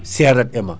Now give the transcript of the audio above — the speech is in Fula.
serate e ma